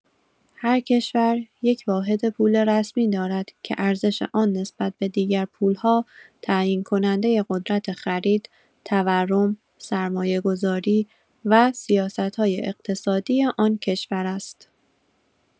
هر کشور یک واحد پول رسمی دارد که ارزش آن نسبت به دیگر پول‌ها تعیین‌کننده قدرت خرید، تورم، سرمایه‌گذاری و سیاست‌های اقتصادی آن کشور است.